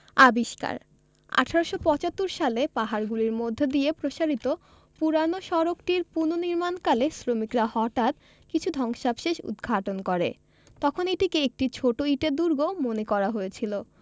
আবিষ্কারঃ ১৮৭৫ সালে পাহাড়গুলির মধ্য দিয়ে প্রসারিত পুরানো সড়কটির পুনঃনির্মাণ কালে শ্রমিকরা হঠাৎ কিছু ধ্বংসাবশেষ উদ্ঘাটন করে তখন এটিকে একটি ছোট ইটের দুর্গ মনে করা হয়েছিল